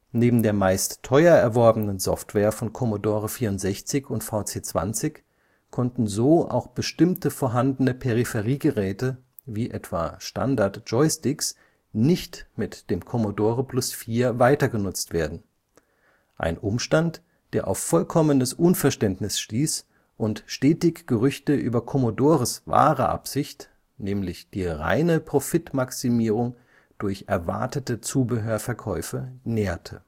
Neben der meist teuer erworbenen Software von Commodore 64 und VC 20 konnten so auch bestimmte vorhandene Peripheriegeräte wie etwa Standard-Joysticks nicht mit dem Commodore Plus/4 weitergenutzt werden, ein Umstand, der auf vollkommenes Unverständnis stieß und stetig Gerüchte über Commodores wahre Absicht – die reine Profitmaximierung durch erwartete Zubehörverkäufe – nährte